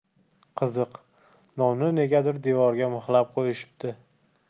qiziq nonni negadir devorga mixlab qo'yishibdi